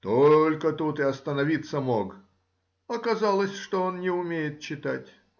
Только тут и остановиться мог: оказалось, что он не умеет читать.